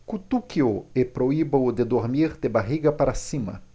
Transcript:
cutuque-o e proíba-o de dormir de barriga para cima